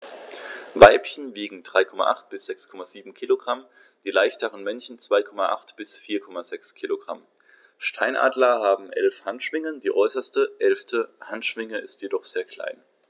Weibchen wiegen 3,8 bis 6,7 kg, die leichteren Männchen 2,8 bis 4,6 kg. Steinadler haben 11 Handschwingen, die äußerste (11.) Handschwinge ist jedoch sehr klein.